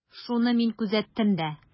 Шуны мин күзәттем дә.